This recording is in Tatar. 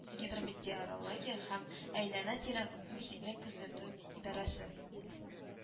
Гидрометеорология һәм әйләнә-тирә мохитне күзәтү идарәсе